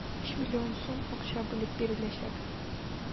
3 млн сум акча бүлеп биреләчәк.